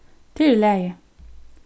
tað er í lagi